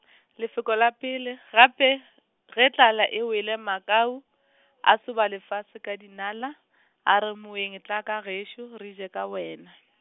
lefoko la pele, gape, ge tlala e wele Makau , o soba lefase ka dinala, a re moeng tla ka gešo re je ka wena .